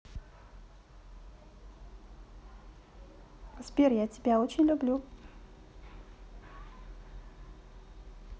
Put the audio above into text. сбер я тебя очень люблю